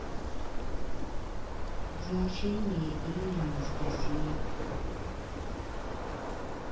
значение имя анастасия